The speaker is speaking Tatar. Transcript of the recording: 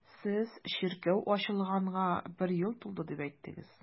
Сез чиркәү ачылганга бер ел тулды дип әйттегез.